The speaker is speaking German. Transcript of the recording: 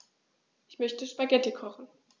Ich möchte Spaghetti kochen.